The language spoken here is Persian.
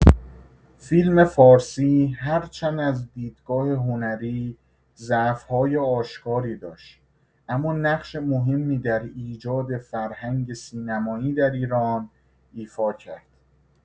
فیلم‌فارسی هرچند از دیدگاه هنری ضعف‌های آشکاری داشت، اما نقش مهمی در ایجاد فرهنگ سینمایی در ایران ایفا کرد.